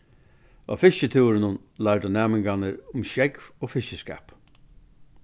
á fiskitúrinum lærdu næmingarnir um sjógv og fiskiskap